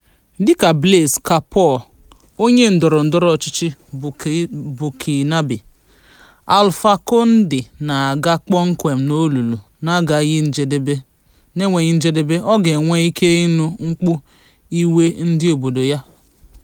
Dị ka Blaise Compaoré [onye ndọrọ ndọrọ ọchịchị Burkinabé] Alpha Condé na-aga kpomkwem n'olulu na-enweghị njedebe, Ọ ga-enwe ike ịnụ mkpu iwe ndị obodo ya?